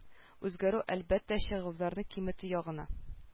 Үзгәрү әлбәттә чыгымнарны киметү ягына